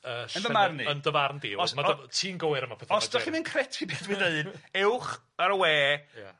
yy llen-... Yn fy marn i. Yn dy farn di ti'n gywir am y pethe 'ma 'de. Os 'dach chi'm yn credu be' dwi ddeud ewch ar y we... Ia.